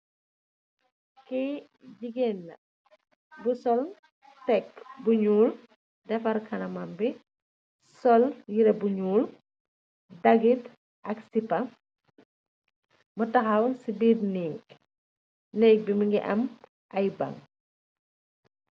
Kii jigéen la, bu sol Tek bu ñuul, defar kanamam bi, sol yire bu ñuul, dagit ak sippa mu taxaw si biir neek. Neek bi mungi am, ay bañg.